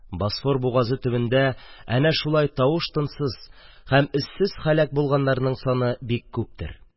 Босфор бугазы төбендә әнә шулай тавыш-тынсыз һәм эзсез һәләк булганнарның саны бик күптер.